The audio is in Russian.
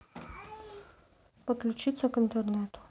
подключиться к интернету